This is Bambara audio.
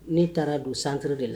Ne taara don centre de la.